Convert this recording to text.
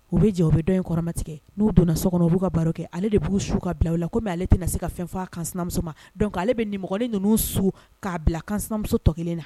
U bɛ jɛ u bɛ dɔn in kɔrɔma tigɛ n'u donna so kɔnɔ u'u baro kɛ ale de b'u su ka bila u la ko mɛ ale tɛna se ka fɛn fɔ kanmuso ma dɔn ale bɛ nim ninnu su k'a bila kamuso tɔ kelen na